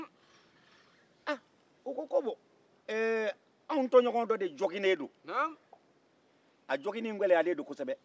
u ko ko anw tɔɲɔgɔn de de joginnenba don